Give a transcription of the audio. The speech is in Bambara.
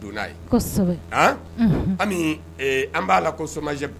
An b'a